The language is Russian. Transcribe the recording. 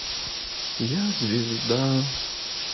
я звезда